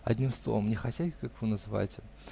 одним словом, не хозяйка, как вы называете.